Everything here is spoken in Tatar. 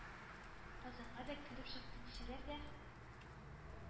Казанга да кереп чыкты дисәләр дә,